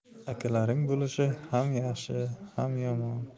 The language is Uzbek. akalaring bo'lishi ham yaxshi ham yomon